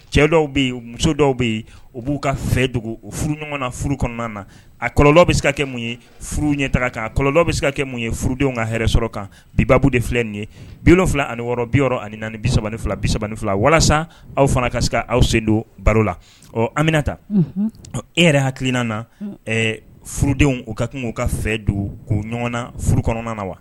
Cɛ dɔw yen muso dɔw bɛ yen u b'u ka fɛ dogo o furu ɲɔgɔn na furu kɔnɔna na a kɔlɔlɔ bɛ se ka kɛ mun ye furu ɲɛ taga kan kɔlɔlɔ bɛ se ka kɛ mun ye furudenw ka hɛrɛɛrɛ sɔrɔ kan bibabu de filɛ nin ye bi dɔ wolonwula ani wɔɔrɔ bi yɔrɔ ani ni bisa fila bisaban fila walasa aw fana ka se aw sen don baro la ɔ anmina ta ɔ e yɛrɛ hakilikinan na furudenw u ka kan'u ka fɛ don ko ɲɔgɔnna furu kɔnɔna na wa